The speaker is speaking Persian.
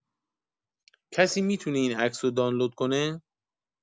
کسی می‌تونه این عکس رو دانلود کنه؟